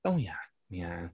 O ie, ie.